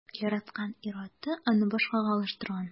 Яраткан ир-аты аны башкага алыштырган.